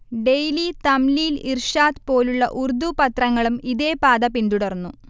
daily, Tamleel, Irshad പോലുള്ള ഉർദു പത്രങ്ങളും ഇതേപാത പിന്തുടർന്നു